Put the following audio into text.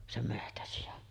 sen metsäsian